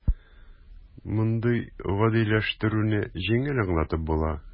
Мондый "гадиләштерү"не җиңел аңлатып була: